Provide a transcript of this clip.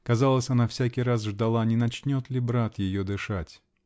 казалось, она всякий раз ждала, не начнет ли брат ее дышать?